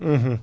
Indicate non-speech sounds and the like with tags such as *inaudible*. *hesitation* *hesitation*